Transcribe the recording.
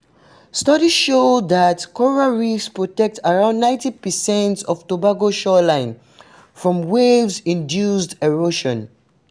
Studies show that coral reefs protect around 90 per cent of Tobago's shoreline from wave-induced erosion.